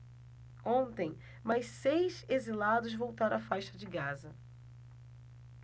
ontem mais seis exilados voltaram à faixa de gaza